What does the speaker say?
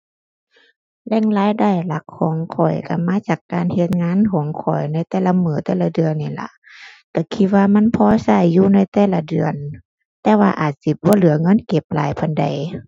แหล่งรายได้หลักของข้อยก็มาจากการเฮ็ดงานของข้อยในแต่ละมื้อแต่ละเดือนนี้ล่ะ ก็คิดว่ามันพอก็อยู่ในแต่ละเดือน แต่ว่าอาจสิบ่เหลือเงินเก็บหลายปานใด